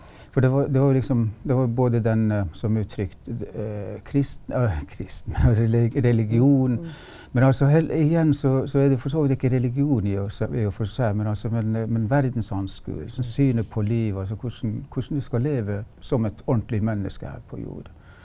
for det var det var jo liksom det var både den som uttrykte kristne eller religion, men altså igjen så så er det for så vidt ikke religion i og så i og for seg men altså men men verdensanskuelse synet på livet altså hvordan hvordan du skal leve som et ordentlig menneske her på jord.